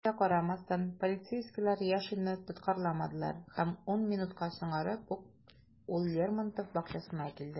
Шуңа да карамастан, полицейскийлар Яшинны тоткарламадылар - һәм ун минутка соңарып, ул Лермонтов бакчасына килде.